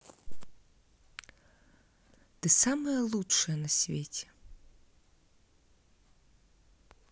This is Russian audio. ты самая лучшая на свете